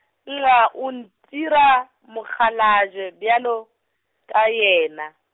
nxa, o ntira mokgalabje, bjalo, ka yena.